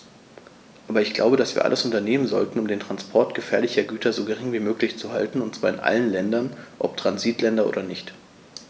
Aber ich glaube, dass wir alles unternehmen sollten, um den Transport gefährlicher Güter so gering wie möglich zu halten, und zwar in allen Ländern, ob Transitländer oder nicht.